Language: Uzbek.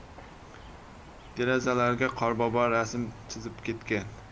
derazalarga qorbobo rasm chizib ketgan